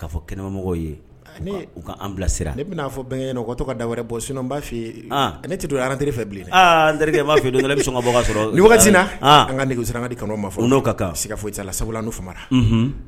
K ka' fɔ kɛnɛmamɔgɔ ye ne u kaan bilasira ne bɛnaa fɔ bɛn to ka da wɛrɛ bɔ sun b'a fɛ yen ne tɛ an teri fɛ bilen ne'a fɛ don bɛ sɔn bɔ ka sɔrɔ na an ka nɛgɛ siragadi kɔnɔ ma fɔ n'o ka siga foyi la sabula n' faga